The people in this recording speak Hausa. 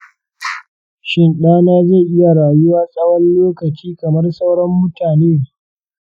shin ɗana zai iya rayuwa tsawon lokaci kamar sauran mutane?